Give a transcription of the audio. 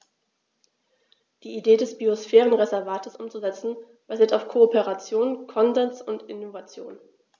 Die Idee des Biosphärenreservates umzusetzen, basiert auf Kooperation, Konsens und Innovation.